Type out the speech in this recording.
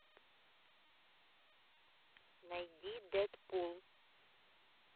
найди дэдпул